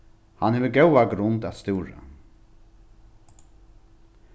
hann hevur góða grund at stúra